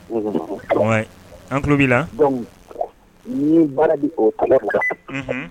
An tulo b ni baara